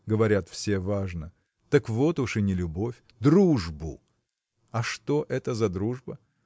– говорят все важно: так вот уж и не любовь! Дружба! А что это за дружба?